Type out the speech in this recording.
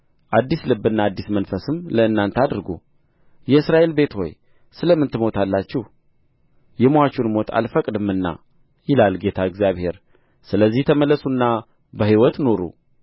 አዲስ ልብና አዲስ መንፈስም ለእናንተ አድርጉ የእስራኤል ቤት ሆይ ስለ ምን ትሞታላችሁ የምዋቹን ሞት አልፈቅድምና ይላል ጌታ እግዚአብሔር ስለዚህ ተመለሱና በሕይወት ኑሩ